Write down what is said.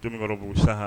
Donkɔrɔ'u sa